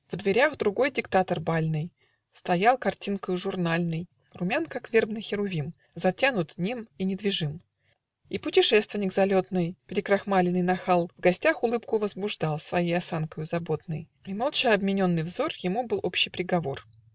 В дверях другой диктатор бальный Стоял картинкою журнальной, Румян, как вербный херувим, Затянут, нем и недвижим, И путешественник залетный, Перекрахмаленный нахал, В гостях улыбку возбуждал Своей осанкою заботной, И молча обмененный взор Ему был общий приговор.